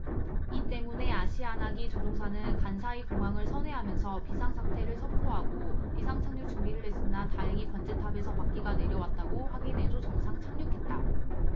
이 때문에 아시아나기 조종사는 간사이공항을 선회하면서 비상사태를 선포하고 비상착륙 준비를 했으나 다행히 관제탑에서 바퀴가 내려왔다고 확인해 줘 정상 착륙했다